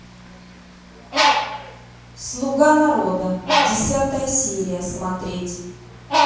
слуга народа десятая серия смотреть